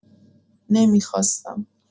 نمی‌خواستم.